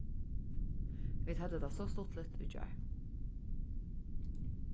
vit høvdu tað so stuttligt í gjár